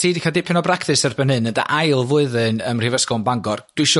ti 'di ca'l dipyn o bractis erbyn hyn yn dy ail flwyddyn ym Mhrifysgol Bangor dwi isio